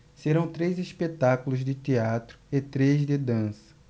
serão três espetáculos de teatro e três de dança